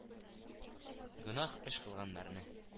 Гөнаһ эш кылган мэрны